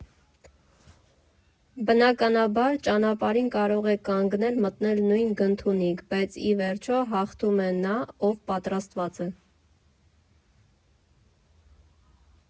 Բնականաբար ճանապարհին կարող եք կանգնել, մտնել նույն «Գնթունիք», բայց, ի վերջո, հաղթում է նա, ով պատրաստված է։